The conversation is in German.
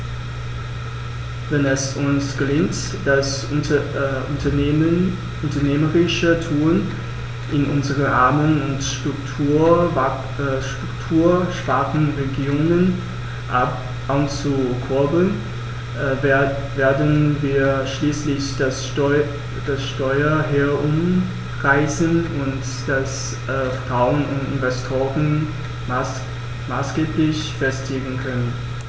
Wenn es uns gelingt, das unternehmerische Tun in unseren armen und strukturschwachen Regionen anzukurbeln, werden wir schließlich das Steuer herumreißen und das Vertrauen von Investoren maßgeblich festigen können.